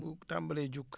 bu tàmbalee jug